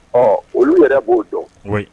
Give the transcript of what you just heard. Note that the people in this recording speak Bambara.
Ɔ olu yɛrɛ b'o dɔn mɔ